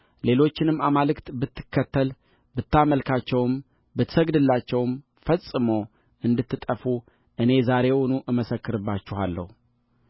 ሌሎችንም አማልክት ብትከተል ብታመልካቸውም ብትሰግድላቸውም ፈጽሞ እንድትጠፉ እኔ ዛሬውኑ እመሰክርባችኋለሁ